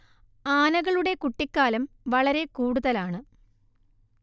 ആനകളുടെ കുട്ടിക്കാലം വളരെ കൂടുതലാണ്